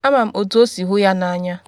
Ama m otu o si hụ ya n’anya.”